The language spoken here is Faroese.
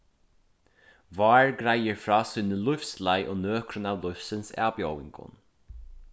vár greiðir frá síni lívsleið og nøkrum av lívsins avbjóðingum